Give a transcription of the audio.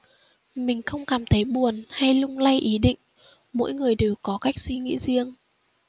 mình không cảm thấy buồn hay lung lay ý định mỗi người đều có cách suy nghĩ riêng